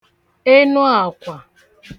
enu àkwà